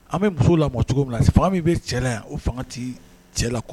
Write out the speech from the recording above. An bɛ muso la o cogo min na se faama min bɛ cɛ yan o fanga tɛ cɛ la